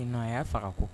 A'a faga ko